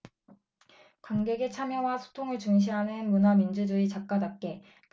관객의 참여와 소통을 중시하는 문화민주주의 작가답게 그는 그렇게 한 마디 남겼다